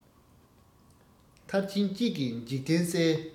མཐར ཕྱིན གཅིག གིས འཇིག རྟེན གསལ